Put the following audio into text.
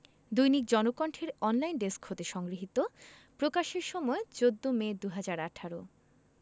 দৈনিক জনকণ্ঠের online desk হতে সংগৃহীত প্রকাশের সময় ১৪ মে ২০১৮